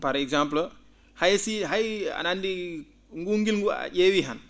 par exemple hay si hay ano anndi nguun ngilngu a ?eewi han